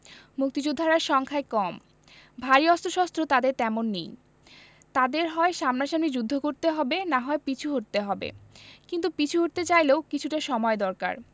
মুক্তিযোদ্ধারা সংখ্যায় কম ভারী অস্ত্রশস্ত্র তাঁদের তেমন নেই তাঁদের হয় সামনাসামনি যুদ্ধ করতে হবে না হয় পিছু হটতে হবে কিন্তু পিছু হটতে চাইলেও কিছুটা সময় দরকার